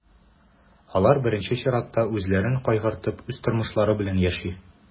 Алар, беренче чиратта, үзләрен кайгыртып, үз тормышлары белән яши.